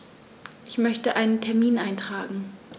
Ich möchte einen Termin eintragen.